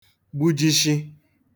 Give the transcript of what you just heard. gbujishị